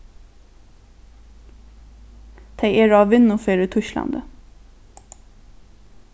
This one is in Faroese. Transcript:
tey eru á vinnuferð í týsklandi